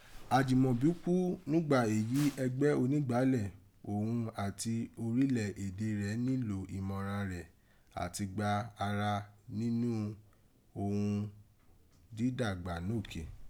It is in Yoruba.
Ajimọbi kú nùgbà èyí ẹgbẹ́ Onígbàálẹ̀, òghun ati orilẹ ede rẹ̀ nilo imọran rẹ̀ ati gba ara níni òghun dídàgbà nókè.